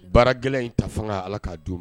Baara gɛlɛn in ta fanga ala k'a don ma